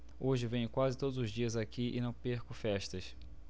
hoje venho quase todos os dias aqui e não perco festas